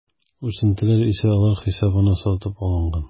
Үсентеләр исә алар хисабына сатып алынган.